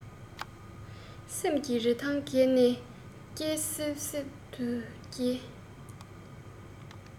སེམས ཀྱི རི ཐང བརྒལ ནས སྐྱུར སིབ སིབ ཏུ གྱེས